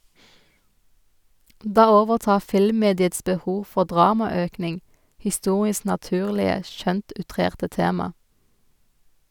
Da overtar filmmediets behov for dramaøkning historiens naturlige - skjønt outrerte - tema.